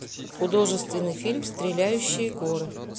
художественный фильм стреляющие горы